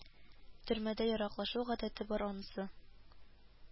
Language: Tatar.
Төрмәдә яраклашу гадәте бар, анысы